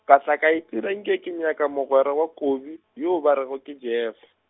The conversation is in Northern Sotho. ka tla itira nke ke nyaka mogwera wa Kobi, yo ba rego ke Jeff.